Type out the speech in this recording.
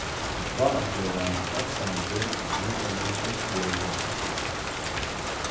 frá at vera etsandi og vandamikið verður tað til salt